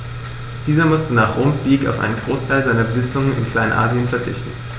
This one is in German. Dieser musste nach Roms Sieg auf einen Großteil seiner Besitzungen in Kleinasien verzichten.